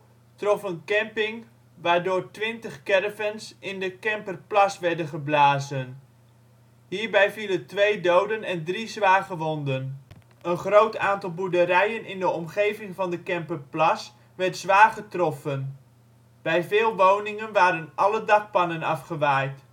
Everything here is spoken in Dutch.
trof een camping waardoor twintig caravans in de Kemperplas werden geblazen. Hierbij vielen twee doden en drie zwaargewonden. Een groot aantal boerderijen in de omgeving van de Kemperplas werd zwaar getroffen. Bij veel woningen waren alle dakpannen afgewaaid